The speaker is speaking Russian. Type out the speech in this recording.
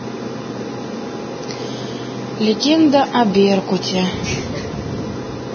легенда о беркуте